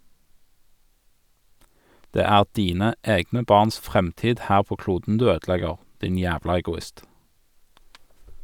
Det er dine egne barns fremtid her på kloden du ødelegger, din jævla egoist.